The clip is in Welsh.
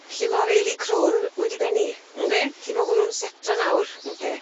'Lly ma'r eili crôn wedi benni. Yndi. 'Lly ma' hwnnw'n seto nawr. Yndi.